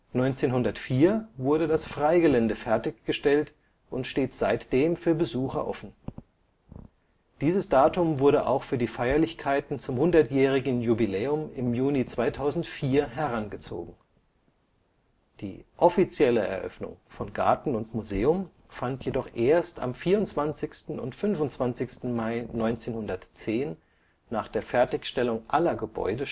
1904 wurde das Freigelände fertiggestellt und steht seitdem für Besucher offen. Dieses Datum wurde auch für die Feierlichkeiten zum hundertjährigen Jubiläum im Juni 2004 herangezogen. Die „ offizielle “Eröffnung von Garten und Museum fand jedoch erst am 24. und 25. Mai 1910, nach der Fertigstellung aller Gebäude